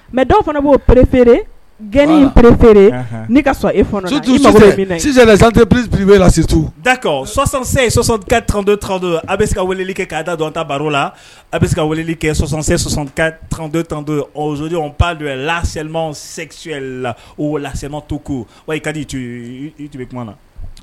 Mɛ dɔw fana b'o perefeere g perefeere n'i ka e sztetu da sɔ sɔsɔtodo a bɛ se ka weeleli kɛ kaa da dɔn ta baro la a bɛ se ka kɛ sɔ sɔ tantozjɔn lali sɛg la o walalama tu ko wa ka dibi na